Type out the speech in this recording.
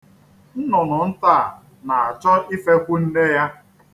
Nnụnụ nta a na-achọ ifekwu nne ya.